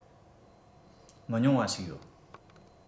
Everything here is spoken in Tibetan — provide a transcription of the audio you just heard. མི ཉུང བ ཞིག ཡོད